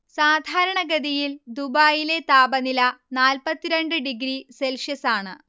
സാധാരണഗതിയിൽ ദുബായിലെ താപനില നാല്പ്പത്തിരണ്ട് ഡിഗ്രി സെൽഷ്യസാണ്